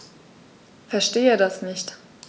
Verstehe das nicht.